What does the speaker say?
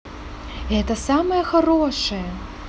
это самое хорошее